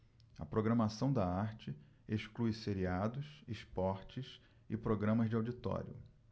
a programação da arte exclui seriados esportes e programas de auditório